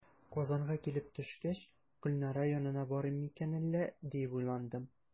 Казанга килеп төшкәч, "Гөлнара янына барыйм микән әллә?", дип уйландым.